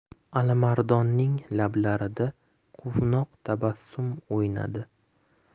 alimardonning lablarida quvnoq tabassum o'ynadi